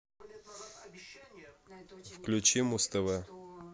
включи муз тв